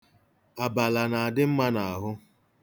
Abala na-adị mma n'ahụ.